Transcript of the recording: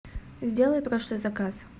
сделай прошлый заказ